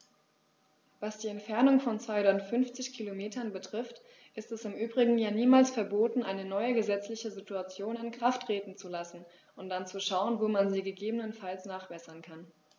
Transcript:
Was die Entfernung von 250 Kilometern betrifft, ist es im Übrigen ja niemals verboten, eine neue gesetzliche Situation in Kraft treten zu lassen und dann zu schauen, wo man sie gegebenenfalls nachbessern kann.